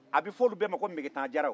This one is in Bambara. a be f'ɔlu bɛɛ ma ko megetan jaraw